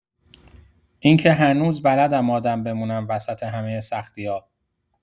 اینکه هنوز بلدم آدم بمونم، وسط همه سختی‌ها.